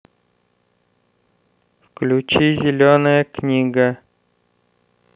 включи зеленая книга